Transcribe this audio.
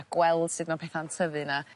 a gweld sud ma' petha'n tyfu 'na.